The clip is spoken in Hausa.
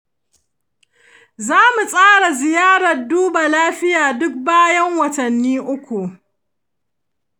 za mu tsara ziyarar duba lafiya duk bayan watanni uku.